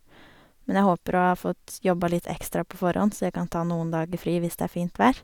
Men jeg håper å ha fått jobba litt ekstra på forhånd så jeg kan ta noen dager fri hvis det er fint vær.